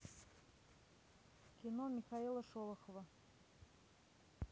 кино михаила шолохова